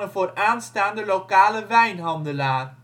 vooraanstaande lokale wijnhandelaar